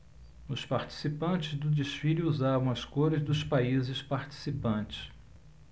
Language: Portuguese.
os participantes do desfile usavam as cores dos países participantes